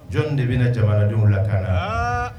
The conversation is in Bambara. Jɔn de bɛna jamanadenw la kan na